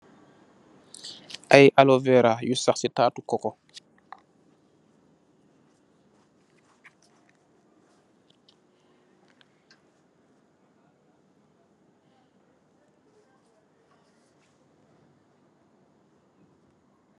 Ay alufeera yu sax ci tattu koko.